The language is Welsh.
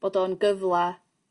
bod o yn gyfla